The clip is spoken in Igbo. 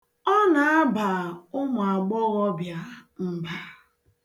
Ị chọrọ ịba ya mba?